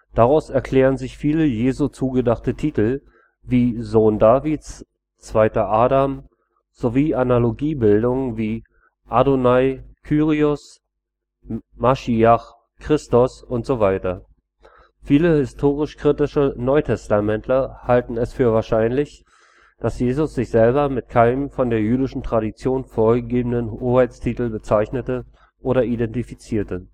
Daraus erklären sich viele Jesu zugedachten Titel wie Sohn Davids, Zweiter Adam, sowie Analogiebildung wie Adonai – Kyrios, Maschiach – Christos usw. Viele historisch-kritische Neutestamentler halten es für wahrscheinlich, dass Jesus sich selber mit keinem von der jüdischer Tradition vorgegebenen Hoheitstitel bezeichnete oder identifizierte